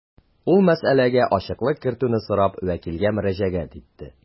Ул мәсьәләгә ачыклык кертүне сорап вәкилгә мөрәҗәгать итте.